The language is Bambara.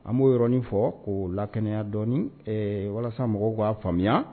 An b'oɔrɔnɔni fɔ ko lakya dɔɔnin walasa mɔgɔw k'a faamuya